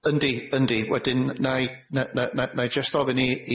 Yndi yndi wedyn 'na i na- na- na- 'na i jyst ofyn i